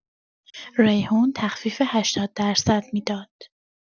ریحون تخفیف هشتاد درصد می‌داد؛